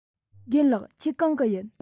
རྒན ལགས ཁྱེད གང གི ཡིན